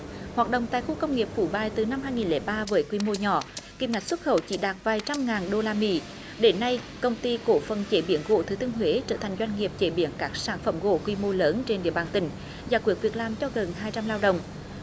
hoạt động tại khu công nghiệp phú bài từ năm hai nghìn lẻ ba với quy mô nhỏ kim ngạch xuất khẩu chỉ đạt vài trăm ngàn đô la mỹ đến nay công ty cổ phần chế biến gỗ thừa thiên huế trở thành doanh nghiệp chế biến các sản phẩm gỗ quy mô lớn trên địa bàn tỉnh giải quyết việc làm cho gần hai trăm lao động